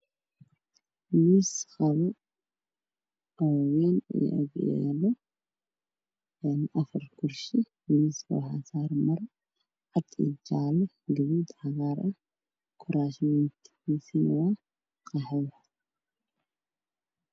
Miis qado waxaa agyaalo afar kursi. Miiska waxaa saaran maro cad, jaale iyo gaduud iyo cagaar ah. Kuraasmanku waa qaxwi.